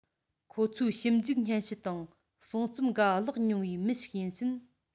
ཁོང ཚོའི ཞིབ འཇུག སྙན ཞུ དང གསུང རྩོམ འགའ ཀློག མྱོང བའི མི ཞིག ཡིན ཕྱིན